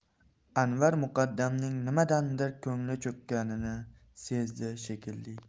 anvar muqaddamning nimadandir ko'ngli cho'kkanini sezdi shekilli